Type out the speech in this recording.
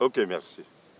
oke mɛrisi